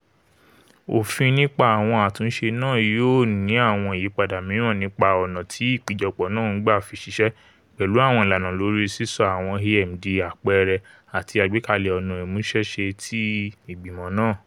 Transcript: Òfin nípa àwọn àtúnṣe náà yóò ní àwọn ìyípadà miran nípa ọna ti ipejọpọ na ńgbà fi ṣiṣẹ, pẹlu àwọn ìlànà lórí sísọ awọn AM di àpẹẹrẹ ati agbekalẹ ọna ìmúṣẹṣe ti igbimọ naa.